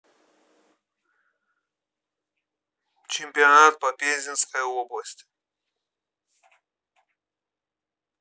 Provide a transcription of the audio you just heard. чемпионат по пензенской области